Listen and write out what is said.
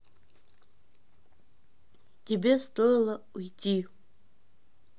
тебе стоило уйти